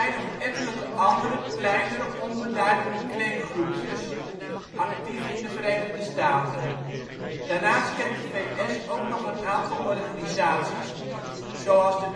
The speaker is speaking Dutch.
nog ettelijke andere kleinere onbeduidende Klangroepjes actief in de Verenigde Staten. Daarnaast kent de VS ook nog een aantal organisaties zoals de